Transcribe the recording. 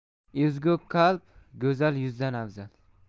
ezgu qalb go'zal yuzdan afzal